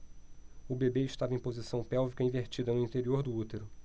o bebê estava em posição pélvica invertida no interior do útero